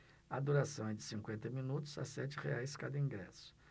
a duração é de cinquenta minutos a sete reais cada ingresso